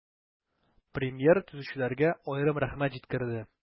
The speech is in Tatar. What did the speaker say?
Премьер төзүчеләргә аерым рәхмәт җиткерде.